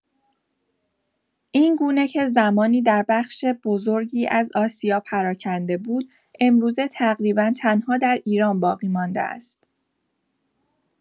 این گونه که زمانی در بخش بزرگی از آسیا پراکنده بود، امروزه تقریبا تنها در ایران باقی‌مانده است.